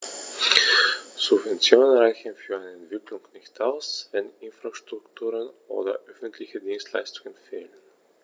Subventionen reichen für eine Entwicklung nicht aus, wenn Infrastrukturen oder öffentliche Dienstleistungen fehlen.